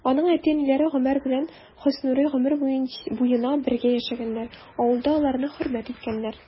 Аның әти-әниләре Гомәр белән Хөснурый гомер буена бергә яшәгәннәр, авылда аларны хөрмәт иткәннәр.